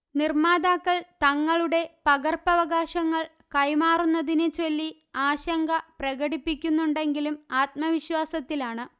നിര്മാതാക്കള് തങ്ങളുടെ പകര്പ്പവകാശങ്ങള് കൈമാറുന്നതിനെച്ചൊല്ലി ആശങ്ക പ്രകടിപ്പിക്കുന്നുണ്ടെങ്കിലും ആത്മവിശ്വാസത്തിലാണ്